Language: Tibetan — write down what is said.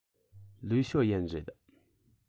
ལིའི ཞའོ ཡན རེད